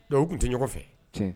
Donc u tun tɛ ɲɔgɔn fɛ.